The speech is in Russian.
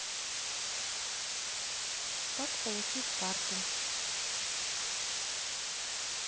как получить карту